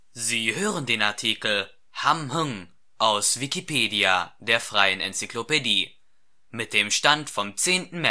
Sie hören den Artikel Hamhŭng, aus Wikipedia, der freien Enzyklopädie. Mit dem Stand vom Der